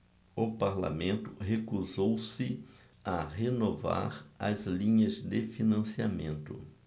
o parlamento recusou-se a renovar as linhas de financiamento